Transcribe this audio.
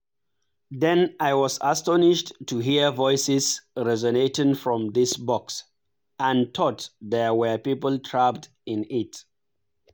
Then I was astonished to hear voices resonating from this "box" and thought there were people trapped in it.